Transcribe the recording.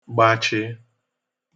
gbachị